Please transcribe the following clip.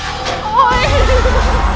ui